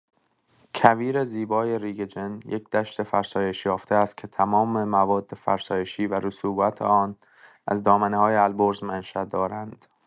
کویر زیبای ریگ جن یک دشت فرسایش یافته است که تمام مواد فرسایشی و رسوبات آن از دامنه‌های البرز منشا دارند.